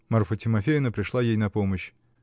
Марфа Тимофеевна пришла ей на помощь.